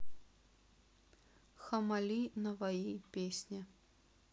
hammali navai песня